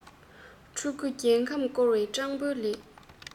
སྤྲང ཕྲུག རྒྱལ ཁམས བསྐོར བ སྤྲང པོའི ལས